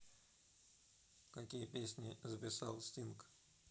какие песни записал стинг